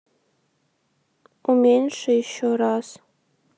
уменьши еще раз